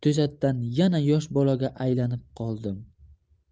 yosh bolaga aylanib qoldim